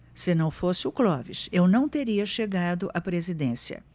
se não fosse o clóvis eu não teria chegado à presidência